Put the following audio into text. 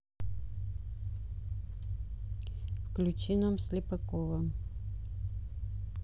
включи нам слепакова